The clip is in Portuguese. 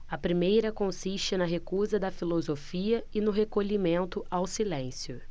a primeira consiste na recusa da filosofia e no recolhimento ao silêncio